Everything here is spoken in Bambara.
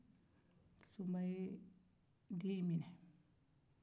sunba ye den minɛ